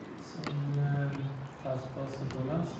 Som taes på Sankt Olavs.